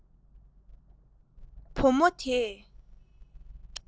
བུ མོ དེས